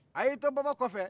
a y'i to baba kɔfɛ